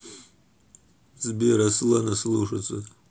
сбер аслана слушаться